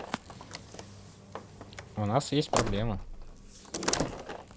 у нас есть проблемы